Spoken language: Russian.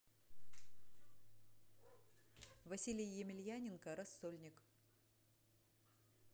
василий емельяненко рассольник